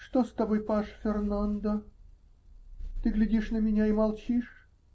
***-- Что с тобой, паж Фернандо? Ты глядишь на меня и молчишь?